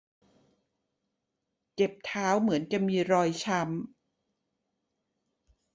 เจ็บเท้าเหมือนจะมีรอยช้ำ